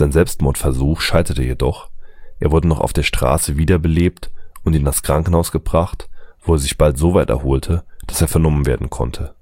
Selbstmordversuch scheiterte jedoch, er wurde noch auf der Straße wiederbelebt und in das Krankenhaus gebracht, wo er sich bald soweit erholte, dass er vernommen werden konnte